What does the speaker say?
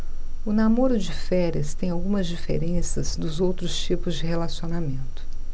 o namoro de férias tem algumas diferenças dos outros tipos de relacionamento